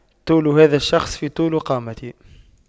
طول هذا الشخص في طول قامتي